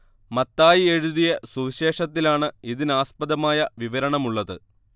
മത്തായി എഴുതിയ സുവിശേഷത്തിലാണ് ഇതിനാസ്പദമായ വിവരണമുള്ളത്